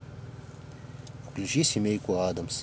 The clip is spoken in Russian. включи семейку адамс